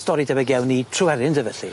Stori tebyg iawn i Tryweryn de felly?